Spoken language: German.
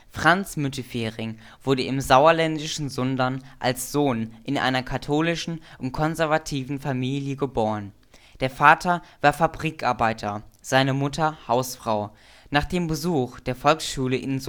Franz Müntefering wurde im sauerländischen Sundern als Sohn in einer katholischen und konservativen Familien geboren. Der Vater war Fabrikarbeiter, seine Mutter Hausfrau. Nach dem Besuch der Volksschule in